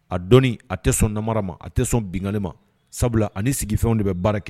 A dɔn a tɛ sɔn namara ma a tɛ sɔn binkali ma sabula ani sigi fɛnw de bɛ baara kɛ